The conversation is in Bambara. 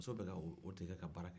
muso bɛka o de kɛ ka baara kɛ